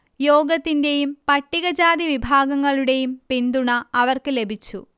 യോഗത്തിന്റെയും പട്ടികജാതി വിഭാഗങ്ങളുടെയും പിന്തുണ അവർക്ക് ലഭിച്ചു